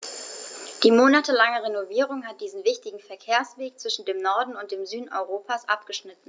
Die monatelange Renovierung hat diesen wichtigen Verkehrsweg zwischen dem Norden und dem Süden Europas abgeschnitten.